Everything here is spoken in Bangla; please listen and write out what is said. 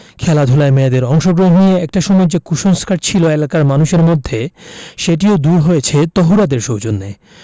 খেলাধুলায় মেয়েদের অংশগ্রহণ নিয়ে একটা সময় যে কুসংস্কার ছিল এলাকার মানুষের মধ্যে সেটিও দূর হয়েছে তহুরাদের সৌজন্যে